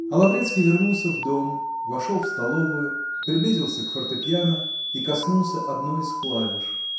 А Лаврецкий вернулся в дом, вошел в столовую, приблизился к фортепьяно и коснулся одной из клавиш